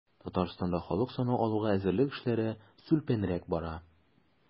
Татарстанда халык санын алуга әзерлек эшләре сүлпәнрәк бара.